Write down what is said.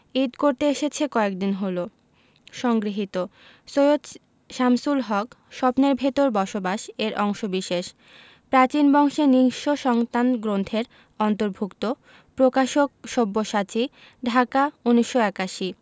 ঈদ করতে এসেছে কয়েকদিন হলো সংগৃহীত সৈয়দ শামসুল হক স্বপ্নের ভেতরে বসবাস এর অংশবিশেষ প্রাচীন বংশের নিঃস্ব সন্তান গ্রন্থের অন্তর্ভুক্ত প্রকাশকঃ সব্যসাচী ঢাকা ১৯৮১